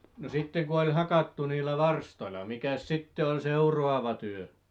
no sitten kun oli hakattu niillä varstoilla mikäs sitten oli seuraava työ